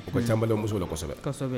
O ka caa maliɲɛnmuso la kosɛbɛ, kosɛbɛ.